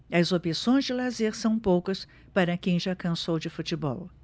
as opções de lazer são poucas para quem já cansou de futebol